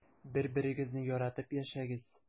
Бер-берегезне яратып яшәгез.